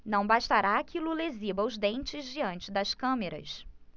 não bastará que lula exiba os dentes diante das câmeras